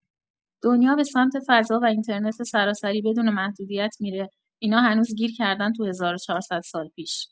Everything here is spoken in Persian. دنیا به سمت فضا و اینترنت سراسری بدون محدودیت می‌ره اینا هنوز گیر کردن تو ۱۴۰۰ سال پیش